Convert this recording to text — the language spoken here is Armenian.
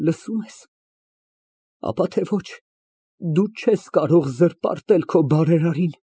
Լսո՞ւմ ես, ապա թե ոչ, դու չես կարող զրպարտել քո բարերարին։